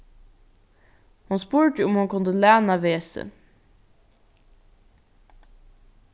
hon spurdi um hon kundi læna vesið